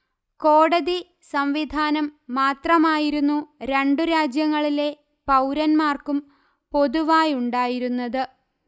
കോടതി സംവിധാനം മാത്രമായിരുന്നു രണ്ടുരാജ്യങ്ങളിലെ പൗരന്മാർക്കും പൊതുവായുണ്ടായിരുന്നത്